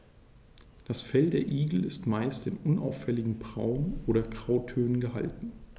Das Fell der Igel ist meist in unauffälligen Braun- oder Grautönen gehalten.